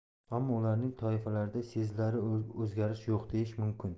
ammo ularning toifalarida sezilarli o'zgarish yo'q deyish mumkin